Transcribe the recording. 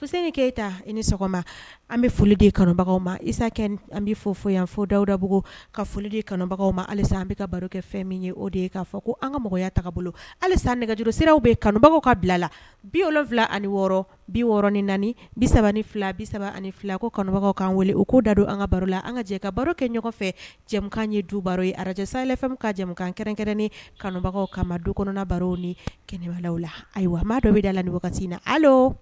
Keyita ta i ni sɔgɔma an bɛ foli dibagaw ma isa an bɛ fɔ fɔ yan fo dawu dabugu ka foli kanubagaw ma hali an bɛ ka baro kɛ fɛn min ye o de ye k'a fɔ ko an ka mɔgɔya bolo hali an nɛgɛjuru siraw bɛ kanubagaw ka bila la bi wolonwula ani wɔɔrɔ biɔrɔn ni naani bisa ni fila bisa ani ko kanubagaw ka an wele o' da don an ka baro la an ka jɛ ka baro kɛ ɲɔgɔn fɛ cɛmankan ye du baro ye araj sa ka jamanakan kɛrɛnkɛrɛn kanubagaw kama ma du kɔnɔna baro nibaga la ayiwa a ma dɔ bɛ da la nin na